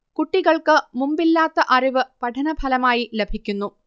കുട്ടികൾക്ക് മുമ്പില്ലാത്ത അറിവ് പഠനഫലമായി ലഭിക്കുന്നു